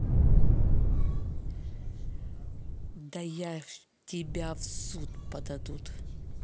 да я тебя в суд подадут